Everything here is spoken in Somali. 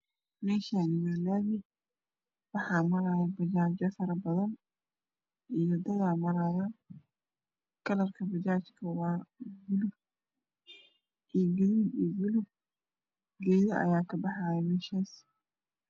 Meshani waa la mi waxa marayo bajaj farabadan iyo dadba marayo kalarka bajajka wa bulug iyo gudud iyo bulug gedo aya kabaxayo meshas